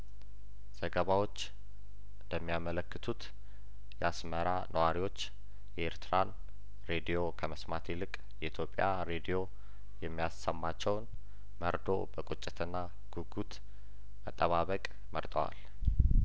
ዘገባዎች እንደሚያመለክቱት የአስመራ ነዋሪዎች የኤርትራን ሬዲዮ ከመስማት ይልቅ የኢትዮጵያ ሬዲዮ የሚያሰማቸውን መርዶ በቁጭትና ጉጉት መጠባበቅ መርጠዋል